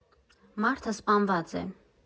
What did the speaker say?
Մարդը սպանված է։